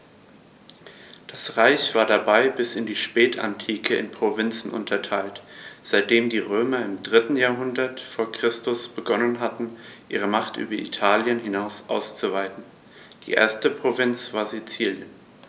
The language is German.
Das Reich war dabei bis in die Spätantike in Provinzen unterteilt, seitdem die Römer im 3. Jahrhundert vor Christus begonnen hatten, ihre Macht über Italien hinaus auszuweiten (die erste Provinz war Sizilien).